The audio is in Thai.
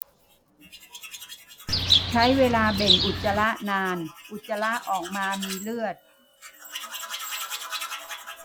ใช้เวลาเบ่งอุจจาระนานอุจจาระออกมามีเลือด